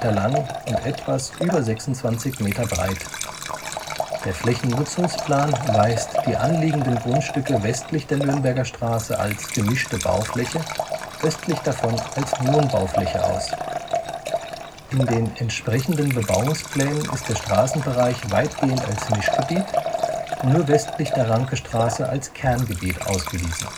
lang und etwas über 26 Meter breit. Der Flächennutzungsplan weist die anliegenden Grundstücke westlich der Nürnberger Straße als Gemischte Baufläche, östlich davon als Wohnbaufläche aus. In den entsprechenden Bebauungsplänen ist der Straßenbereich weitgehend als Mischgebiet, nur westlich der Rankestraße als Kerngebiet ausgewiesen